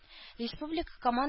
Республика коман